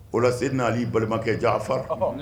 O la se n' balimakɛ jan fa